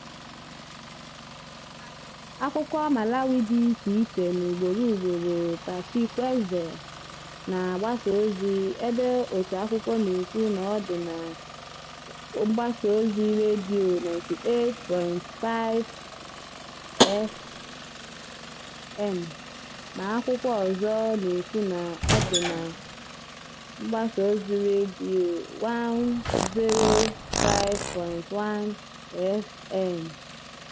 Akwụkwọ Malawi dị iche n'ugboro ugboro Pachikweza na-agbasaozi, ebe otu akwụkwọ na-ekwu na ọ dị na 98.5FM, ma akwụkwọ ọzọ na-ekwu na ọ dị na 105.1FM.